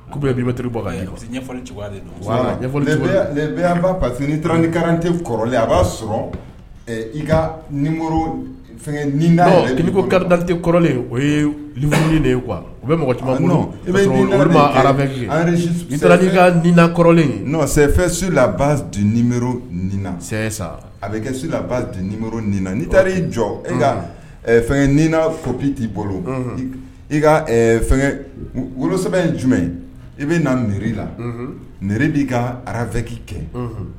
Ko bɛ'iri bɔ ɲɛfɔba parce que n'i taara nirante kɔrɔlen a b'a sɔrɔ i ka ko karidte kɔrɔlen o ye de u bɛ mɔgɔ i ara'i ka kɔrɔlen di nin sa a bɛ kɛ di ni ni na n taara' i jɔ i ka niina ppi t'i bolo i worosɛbɛ in jumɛn i bɛ na miiri la ninre b'i ka araki kɛ